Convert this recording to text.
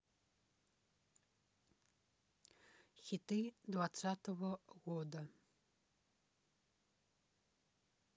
хиты двадцатого года